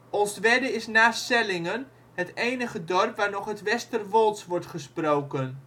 Onstwedde is na Sellingen het enige dorp waar nog het Westerwolds wordt gesproken